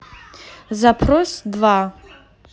запрос два